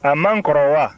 a man kɔrɔ wa